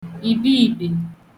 ìbiìbè